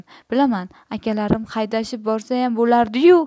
bilaman akalarim haydashib borsayam bo'lardiyu